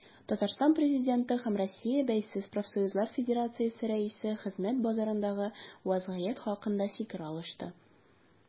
Татарстан Президенты һәм Россия Бәйсез профсоюзлар федерациясе рәисе хезмәт базарындагы вәзгыять хакында фикер алышты.